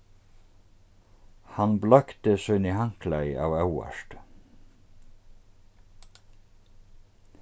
hann bleikti síni handklæði av óvart